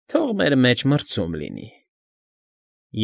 Թող մեր մեջ մրցում լինի։